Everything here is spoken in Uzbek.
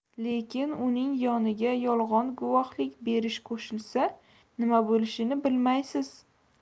lekin uning yoniga yolg'on guvohlik berish qo'shilsa nima bo'lishini bilmaysiz